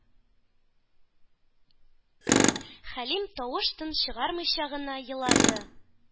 Хәлим тавыш-тын чыгармыйча гына елады.